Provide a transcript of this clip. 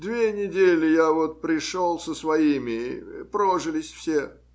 Две недели я вот пришел со своими, прожились вовсе.